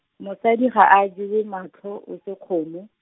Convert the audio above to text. mosadi ga a jewe matlho o se kgomo.